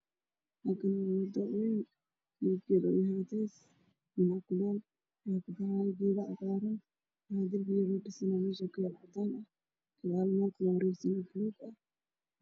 Meeshaan waa meel laami ah midabkiisa ay madow waxaa ka dambeeyo taallo aarga ah oo midabkeedu yahay caddaan